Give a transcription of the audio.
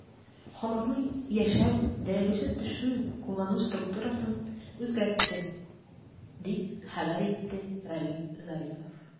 Халыкның яшәү дәрәҗәсе төшү куллану структурасын үзгәртте, дип хәбәр итте Равиль Зарипов.